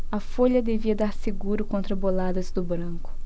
a folha devia dar seguro contra boladas do branco